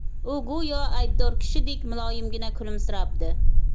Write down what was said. u go'yo aybdor kishidek muloyimgina kulimsirabdi